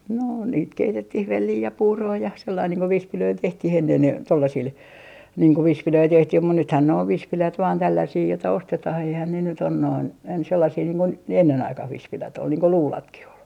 no niitä keitettiin velliä ja puuroa ja sillä lailla niin kuin vispilöillä tehtiin ennen tuollaisilla niin kuin vispilöitä tehtiin mutta nythän ne on vispilät vain tällaisia jota ostetaan eihän ne nyt ole noin ensin sellaisia niin kuin ne ennen aikaan vispilät oli niin kuin luudatkin oli